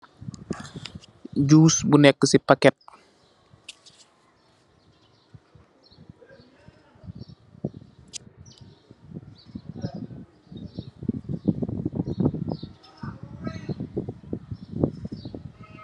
Juus bu nekka ci paket.